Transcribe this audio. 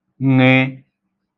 ṅ